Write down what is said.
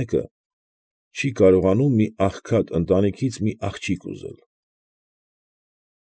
Մեկը, չի կարողանում մի աղքատ ընտանիքից մի աղջիկ ուզել։